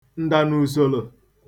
ǹdànùsòlò